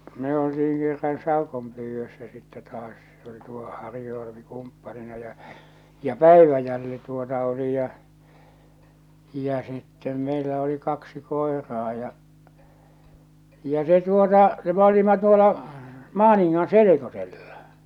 me oltiin kerran saukonpyydössä sitten taas se oli tuo Harju Alpi kumppanina ja ja Päiväjälli tuota oli ja ja sitten meillä oli kaksi koiraa ja ja se tuota se me olimme tuolla Maaningan selkosella